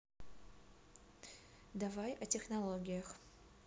давай о технологиях